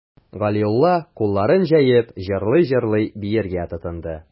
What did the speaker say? Галиулла, кулларын җәеп, җырлый-җырлый биергә тотынды.